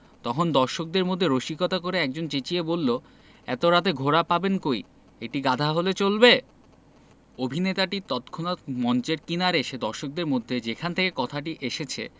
– তখন দর্শকদের মধ্য থেকে রসিকতা করে একজন চেঁচিয়ে বললো এত রাতে ঘোড়া পাবেন কই একটি গাধা হলে চলবে অভিনেতাটি তৎক্ষনাত মঞ্চের কিনারে এসে দর্শকদের মধ্যে যেখান থেকে কথাটি এসেছে